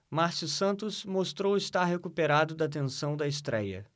márcio santos mostrou estar recuperado da tensão da estréia